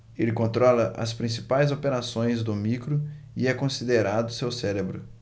ele controla as principais operações do micro e é considerado seu cérebro